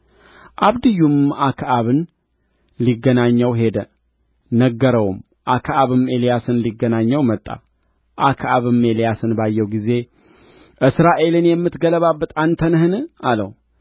አብድዩም አክዓብን ሊገናኘው ሄደ ነገረውም አክዓብም ኤልያስን ሊገናኘው መጣ አክዓብም ኤልያስን ባየው ጊዜ እስራኤልን የምትገለባብጥ አንተ ነህን አለው